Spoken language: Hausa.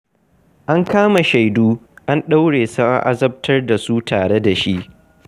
An kama shaidu, an ɗaure su an azabtar da su tare da shi.